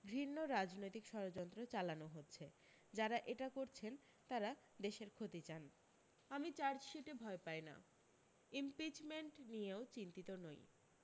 ঘৃণ্য রাজনৈতিক ষড়যন্ত্র চালানো হচ্ছে যারা এটা করছেন তাঁরা দেশের ক্ষতি চান আমি চার্জশিটে ভয় পাই না ইমপিচমেন্ট নিয়েও চিন্তিত নই